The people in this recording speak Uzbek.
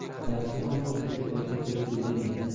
dadasi ham xuddi shu paytda kirib kelgan edi